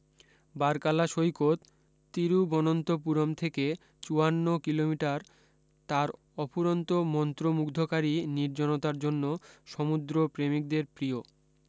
বার্কালা সৈকত তিরুবনন্তপুরম থেকে চুয়ান্ন কিলোমিটার তার অফুরন্ত মন্ত্র মুগ্ধকারী নির্জনতার জন্য সমুদ্রপ্রেমিকদের প্রিয়